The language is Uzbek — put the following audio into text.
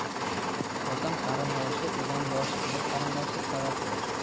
xotin qarindoshi ilon boshi er qarindoshi savat boshi